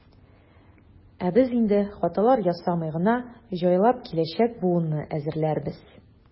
Ә без инде, хаталар ясамый гына, җайлап киләчәк буынны әзерләрбез.